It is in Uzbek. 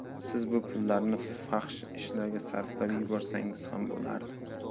siz bu pullarni fahsh ishlarga sarflab yuborsangiz ham bo'lardi